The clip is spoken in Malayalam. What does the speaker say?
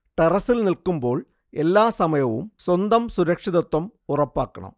ടെറസ്സിൽ നിൽക്കുമ്പോൾ എല്ലാ സമയവും സ്വന്തം സുരക്ഷിതത്വം ഉറപ്പാക്കണം